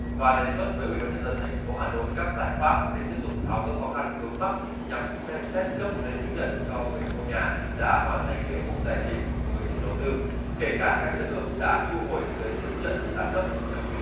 và đề xuất với ủy ban nhân dân thành phố hà nội các giải pháp để tiếp tục tháo gỡ khó khăn vướng mắc nhằm xem xét cấp giấy chứng nhận cho người mua nhà đã hoàn thành nghĩa vụ tài chính với chủ đầu tư kể cả các trường hợp đã thu hồi giấy chứng nhận đã cấp theo quy